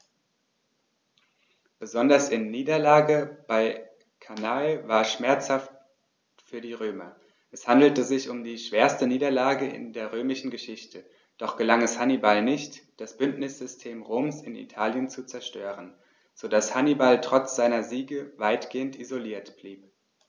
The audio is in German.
Besonders die Niederlage bei Cannae war schmerzhaft für die Römer: Es handelte sich um die schwerste Niederlage in der römischen Geschichte, doch gelang es Hannibal nicht, das Bündnissystem Roms in Italien zu zerstören, sodass Hannibal trotz seiner Siege weitgehend isoliert blieb.